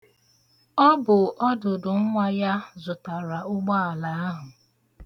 Ọ bụ ọdụdụ nwa ya zụtara ụgbaala ahụ.